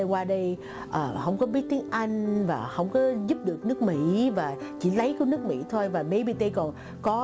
qua đây không có biết tiếng anh và không giúp được nước mĩ và chỉ lấy của nước mĩ thôi và mây bi tây cồ có